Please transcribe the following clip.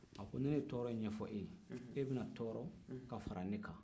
a ko ni ne ye tɔɔrɔ in ɲɛfo e ye e bɛ na tɔɔrɔ ka fara ne kan